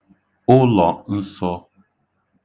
ụlọ̀ nsọ̄